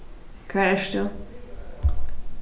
hvar ert tú